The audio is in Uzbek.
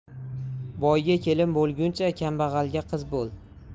boyga kelin bo'lguncha kambag'alga qiz bo'l